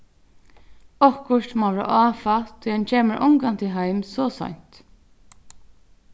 okkurt má vera áfatt tí hann kemur ongantíð heim so seint